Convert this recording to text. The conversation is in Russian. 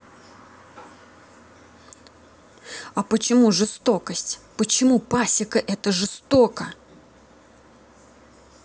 а почему жестокость почему пасека это жестоко